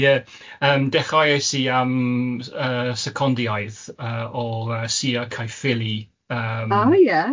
Ie, yym dechreuais i yym yy secondiaeth yy o yy Sir Caiffili yym... O ie?